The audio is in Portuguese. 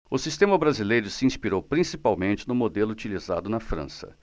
o sistema brasileiro se inspirou principalmente no modelo utilizado na frança